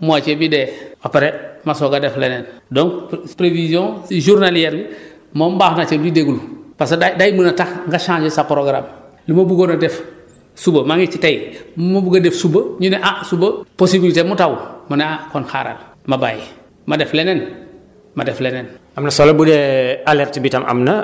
moitié bi dee après ma soog a def leneen donc prévision journali_re bi moom baax na ci di déglu parce que day day mun a tax nga changer sa programme lu ma buggoon a def suba maa ngi ci tey lu ma bugg a def suba ñu ne ah suba possibilité mu taw mu ne ah kon xaaral ma bàyyi ma def leneen ma def leneen